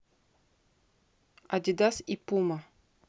адидас и пума